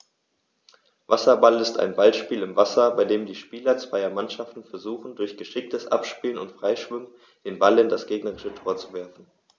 Wasserball ist ein Ballspiel im Wasser, bei dem die Spieler zweier Mannschaften versuchen, durch geschicktes Abspielen und Freischwimmen den Ball in das gegnerische Tor zu werfen.